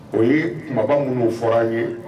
O ye mabɔ minnu fɔra ye